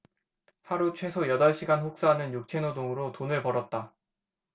하루 최소 여덟 시간 혹사하는 육체노동으로 돈을 벌었다